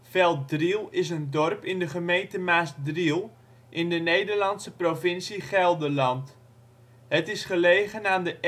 Velddriel is een dorp in de gemeente Maasdriel, in de Nederlandse provincie Gelderland. Het is gelegen aan de